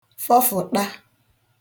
fọfụṭa